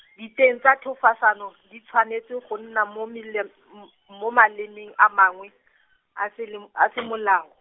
diteng tsa thefosano, di tshwanetse go nna mo melem-, m- mo malemeng a mangwe, a selem-, a semolao.